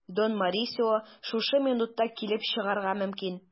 Дон Морисио шушы минутта килеп чыгарга мөмкин.